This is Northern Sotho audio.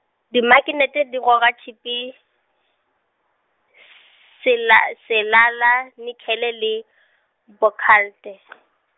dimaknete di goga tšhipi, s- sela selala-, nikhele le , bokhalte- .